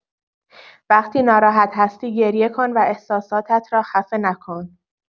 وقتی ناراحت هستی گریه‌کن و احساساتت را خفه نکن.